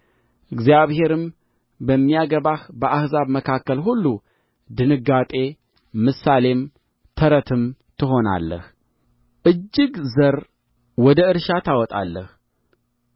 እግዚአብሔርም በሚያገባህ በአሕዛብ መካከል ሁሉ ድንጋጤ ምሳሌም ተረትም ትሆናለህ እጅግ ዘር ወደ እርሻ ታወጣለህ